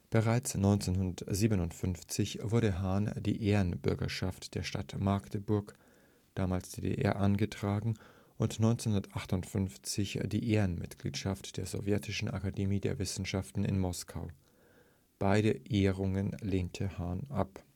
Bereits 1957 wurde Hahn die Ehrenbürgerschaft der Stadt Magdeburg (damals DDR) angetragen und 1958 die Ehrenmitgliedschaft der Sowjetischen Akademie der Wissenschaften in Moskau. Beide Ehrungen lehnte Hahn ab